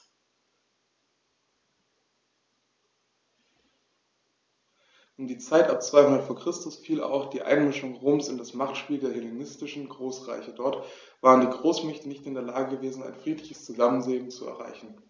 In die Zeit ab 200 v. Chr. fiel auch die Einmischung Roms in das Machtspiel der hellenistischen Großreiche: Dort waren die Großmächte nicht in der Lage gewesen, ein friedliches Zusammenleben zu erreichen.